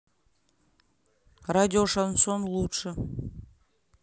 радио шансон лучшее